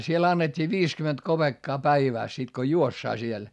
siellä annettiin viisikymmentä kopeekkaa päivässä sitten kun juostaan siellä